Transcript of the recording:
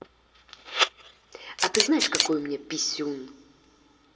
а ты знаешь какой у меня писюн